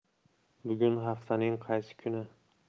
bugun haftaning qaysi kuni